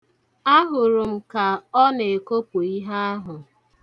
Ahụrụ ka ọ na-ekopụ ihe ahụ.